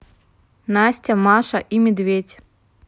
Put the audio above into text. настя маша и медведь